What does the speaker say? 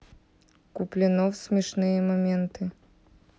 куплинов смешные моменты